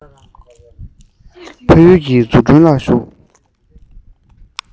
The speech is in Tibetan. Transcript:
ཕ ཡུལ གྱི འཛུགས སྐྲུན ལ ཞུགས